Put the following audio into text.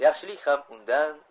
yaxshilik ham undan